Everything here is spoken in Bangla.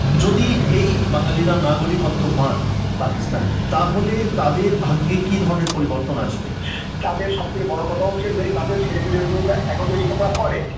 যদি এই বাঙালিরা নাগরিকত্ব পান পাকিস্তান এর তাহলে তাদের ভাগ্যে কি ধরনের পরিবর্তন আসবে তা কথা হচ্ছে তাদের ছেলে পেলে গুলো এখন যে লেখাপড়া করে